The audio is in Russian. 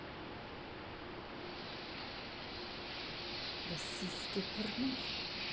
российская порнуха